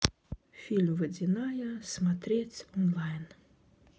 фильм водяная смотреть онлайн